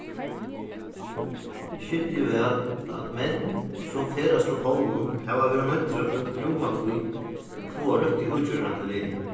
eg skilji væl at menn sum ferðast til pólin hava verið noyddir at brúkt rúma tíð at fáa røttu útgerðina til vega